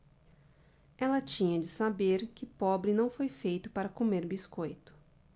ela tinha de saber que pobre não foi feito para comer biscoito